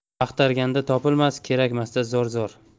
axtarganda topilmas kerakmasda zor zor